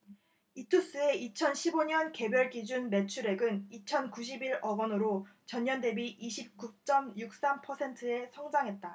이투스의 이천 십 오 년 개별기준 매출액은 이천 구십 일 억원으로 전년 대비 이십 구 쩜 육 삼 퍼센트의 성장했다